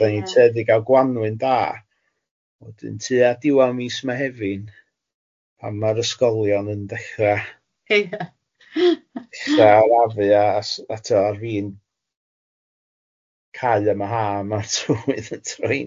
...da ni'n tueddu i gael Gwanwyn da, wedyn tua diwadd mis Mehefin, pan ma'r ysgolion yn dechra... Ia . ...ella ella arafu a s- ato ar fin cau am y ha, ma' twywydd n troi'n